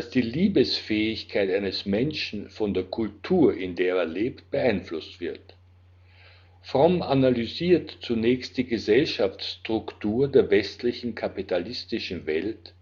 die Liebesfähigkeit eines Menschen von der Kultur, in der er lebt, beeinflusst wird. Fromm analysiert zunächst die Gesellschaftsstruktur der westlichen, kapitalistischen Welt